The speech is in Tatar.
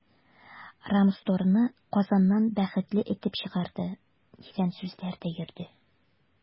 “рамстор”ны казаннан “бәхетле” этеп чыгарды, дигән сүзләр дә йөрде.